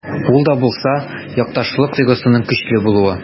Ул да булса— якташлык тойгысының көчле булуы.